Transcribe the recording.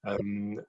yym